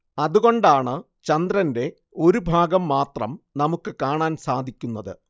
അതുകൊണ്ടാണ് ചന്ദ്രന്റെ ഒരു ഭാഗം മാത്രം നമുക്ക് കാണാൻ സാധിക്കുന്നത്